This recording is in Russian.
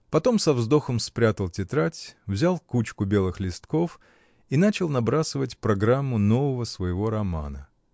Потом со вздохом спрятал тетрадь, взял кучку белых листков и начал набрасывать программу нового своего романа.